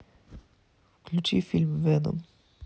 включи фильм веном